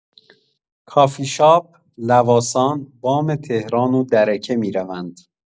کافی‌شاپ، لواسان، بام تهران و درکه می‌روند.